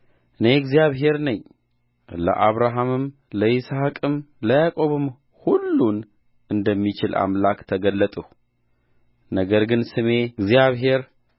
እኔ እግዚአብሔር ነኝ ለአብርሃምም ለይስሐቅም ለያዕቆብም ሁሉን እንደሚችል አምላክ ተገለጥሁ ነገር ግን ስሜ እግዚአብሔር